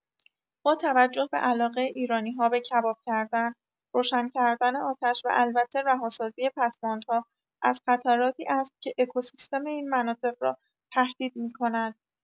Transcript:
با توجه به علاقه ایرانی‌‌ها به کباب‌کردن، روشن کردن آتش و البته رهاسازی پسماندها از خطراتی است که اکوسیستم این مناطق را تهدید می‌کند.